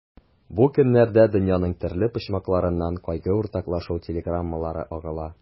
Бу көннәрдә дөньяның төрле почмакларыннан кайгы уртаклашу телеграммалары агыла.